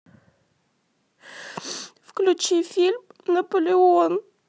включи фильм наполеон